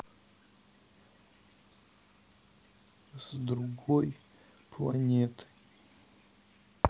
с другой планеты